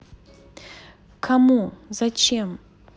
кому зачем